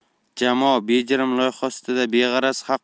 jamoa bejirim loyiha ustida beg'araz